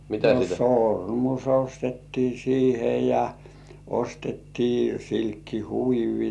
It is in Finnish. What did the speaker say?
no sormus ostettiin siihen ja ostettiin silkkihuivi